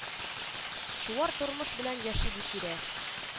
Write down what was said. Чуар тормыш белән яши бу тирә